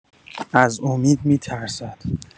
از امید می‌ترسد.